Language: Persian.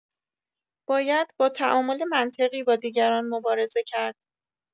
باید با تعامل منطقی با دیگران مبارزه کرد.